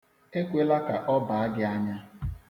E kwela ka ọ baa gị anya.